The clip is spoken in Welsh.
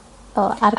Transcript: fel ar...